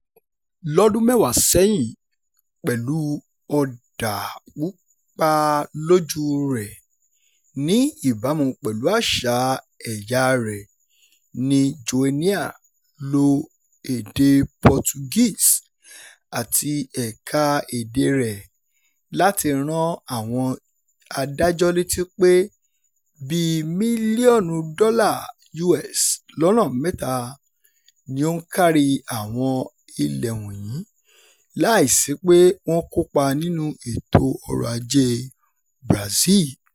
Lọ́dún mẹ́wàá sẹ́yìn, pẹ̀lú ọ̀dà pupa lójúu rẹ̀, ní ìbámu pẹ̀lú àṣà ẹ̀yàa rẹ̀ ni Joenia lo èdè Portuguese àti ẹ̀ka-èdèe rẹ̀ láti rán àwọn adájọ́ létí pé bíi mílíọ̀nù dọ́là US lọ́nà mẹ́ta ni ó ń kárí àwọn ilẹ̀ wọ̀nyí láìsí pé wọ́n kópa nínú ètò ọrọ̀-ajée Brazil.